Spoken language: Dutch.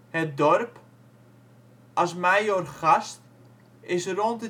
Het dorp (' als Majorgast ') is rond